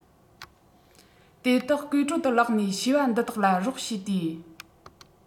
དེ དག ཀུའེ ཀྲོའུ དུ ལོག ནས བྱིས པ འདི དག ལ རོགས བྱས ཏེ